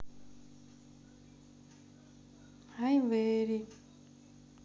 i very